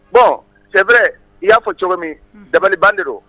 Bɔn cɛbrɛ i y'a fɔ cogo min dabaliban de don